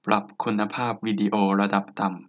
ปรับคุณภาพวิดีโอระดับต่ำ